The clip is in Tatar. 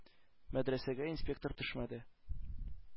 Мәдрәсәгә инспектор төшмәде.